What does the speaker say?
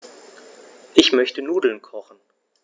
Ich möchte Nudeln kochen.